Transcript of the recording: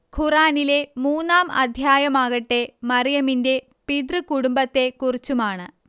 ഖുർആനിലെ മൂന്നാം അധ്യായമാകട്ടെ മർയമിന്റെ പിതൃകുടുംബത്തെ കുറിച്ചുമാണ്